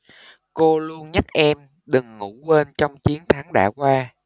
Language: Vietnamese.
cô luôn nhắc em đừng ngủ quên trong chiến thắng đã qua